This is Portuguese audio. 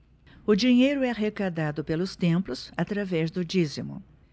o dinheiro é arrecadado pelos templos através do dízimo